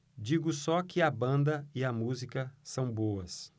digo só que a banda e a música são boas